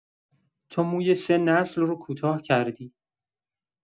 تو موی سه نسل رو کوتاه کردی.